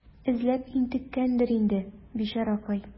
Эзләп интеккәндер инде, бичаракай.